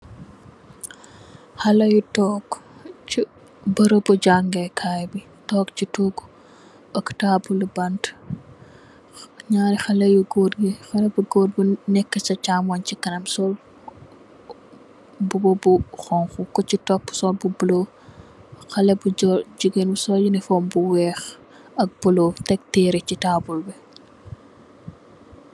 Haley yu toog chi mburobu jàngeekaay bi, toog chi toogu ak taabl li bant. Naari Haley yu gòor bi, haley bu góor bu nekka chi chàmoñ chi kanam sol mbuba bu honku, Ku chi topu sol bu bulo. Haley bu jigeen bi sol uniform bu weeh ak bulo tekk tereeh chi taabul bi.